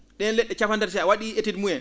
?een le??e capantati si a wa?ii étude mumen